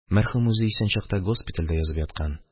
– мәрхүм, үзе исән чакта, госпитальдә язып яткан.